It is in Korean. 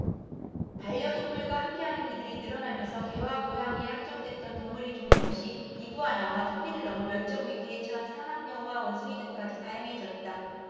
반려동물과 함께 하는 이들이 늘어나면서 개와 고양이에 한정됐던 동물의 종 역시 이구아나와 토끼를 넘어 멸종위기에 처한 사막여우와 원숭이 등까지로 다양해졌다